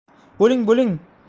bo'ling bo'ling